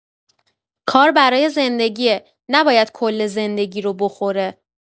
کار برای زندگیه، نباید کل زندگی رو بخوره.